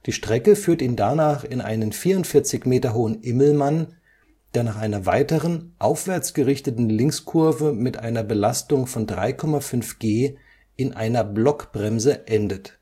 Strecke führt ihn danach in einen 44 Meter hohen Immelmann, der nach einer weiteren aufwärtsgerichteten Linkskurve mit einer Belastung von 3,5 G in einer Blockbremse endet